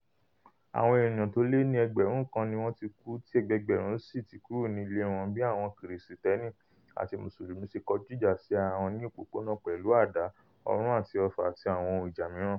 Àwọn ènìyàn tó le ní ẹgbẹ̀rún kan ni wọ́n kú tí ẹgbẹ́ẹgbẹ̀rún síi tí kúrò nílé wọn bíi àwọn Kìrìsìtẹ́nì àti Mùsùlùmí ṣe kojú ìjà sí ara wọ́n ní opópónà, pẹ̀lú àdá, ọ̀run àti ọfà, àti àwọn ohun ìjà mìíràn